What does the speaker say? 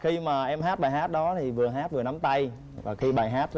khi mà em hát bài hát đó thì vừa hát vừa nắm tay và khi bài hát